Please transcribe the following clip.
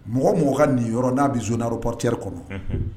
Mɔgɔ o mɔgɔ ka nin yɔrɔ n'a bɛ zone aéroportuaire kɔnɔ